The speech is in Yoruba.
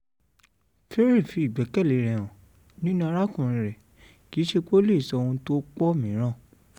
Furyk fi ìgbẹ́kẹ̀lé rẹ̀ hàn nínú arákùnrin rẹ, kìíṣe pé ó le sọ ohun tó pọ̀ míràn.